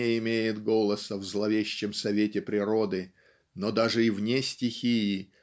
не имеет голоса в зловещем совете природы но даже и вне стихии